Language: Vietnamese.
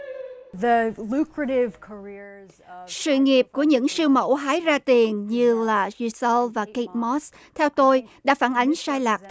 giờ lu ki liu cô ri ơ sự nghiệp của những siêu mẫu hái ra tiền như là iu sâu và kích mót theo tôi đã phản ánh sai lạc thực